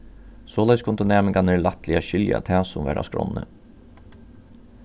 soleiðis kundu næmingarnir lættligari skilja tað sum var á skránni